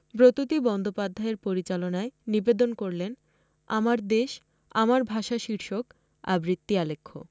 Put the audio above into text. ব্রততী বন্দ্যোপাধ্যায়ের পরিচালনায় নিবেদন করলেন আমার দেশ আমার ভাষা শীরষক আবৃত্তি আলেখ্য